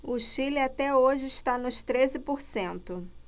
o chile até hoje está nos treze por cento